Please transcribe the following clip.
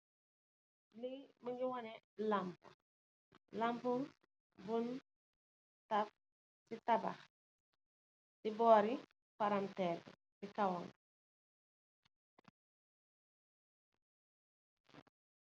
Lii mu ngi wane lamp, lamp buñ taf si tabax, si boor i,palanteer si kowam.